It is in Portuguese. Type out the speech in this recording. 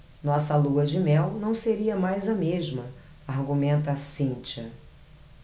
nossa lua-de-mel não seria mais a mesma argumenta cíntia